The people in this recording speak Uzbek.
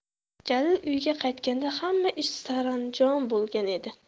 jalil uyiga qaytganda hamma ish saranjom bo'lgan edi